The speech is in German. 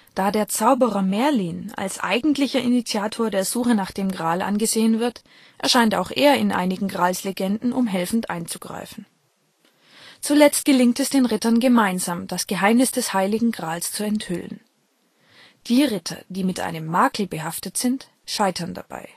Da der Zauberer Merlin als eigentlicher Initiator der Suche nach dem Gral angesehen wird, erscheint auch er in einigen Gralslegenden, um helfend einzugreifen. Zuletzt gelingt es den Rittern gemeinsam, das Geheimnis des Heiligen Grals zu enthüllen. Die Ritter, die mit einem Makel behaftet sind, scheitern dabei